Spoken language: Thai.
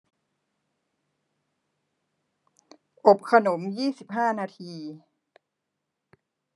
อบขนมยี่สิบห้านาที